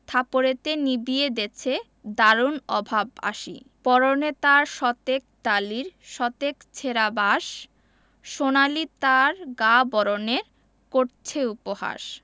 থাপড়েতে নিবিয়ে দেছে দারুণ অভাব আসি পরনে তার শতেক তালির শতেক ছেঁড়া বাস সোনালি তার গা বরণের করছে উপহাস